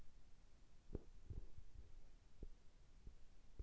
снимать на фото умеешь